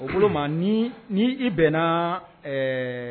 O bolo ma ni ni i bɛnna ɛɛ